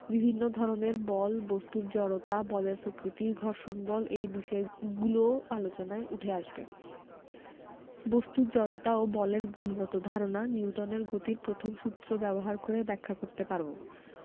বিভিন্ন ধরনের বল বস্তুর জড়তা বলের প্রকৃতি ঘর্ষণ বল এই বিষয়গুলোও আলোচনায় উঠে আসবে বস্তুর জড়তা ও বলের গুণগত ধারণা নিউটনের গতির প্রথম সূত্র ব্যবহার করে ব্যাখ্যা করতে পারব